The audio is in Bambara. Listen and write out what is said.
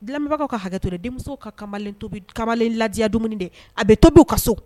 Di lamɛbagaw ka hakɛto dɛ denmusow ka kamalen tobi kamalen ladiya dumuni dɛ a bɛ tobi u ka so